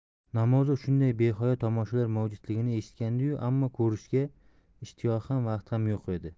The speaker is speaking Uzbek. namozov shunday behayo tamoshalar mavjudligini eshitgandi yu ammo ko'rishga ishtiyoqi ham vaqti ham yo'q edi